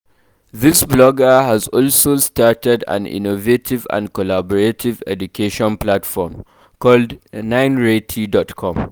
This blogger has also started an innovative and collaborative education platform called 9rayti.com.